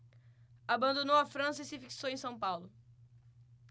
abandonou a frança e se fixou em são paulo